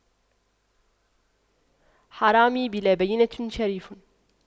حرامي بلا بَيِّنةٍ شريف